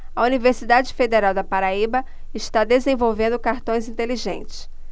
a universidade federal da paraíba está desenvolvendo cartões inteligentes